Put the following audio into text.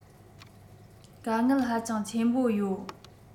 དཀའ ངལ ཧ ཅང ཆེན པོ ཡོད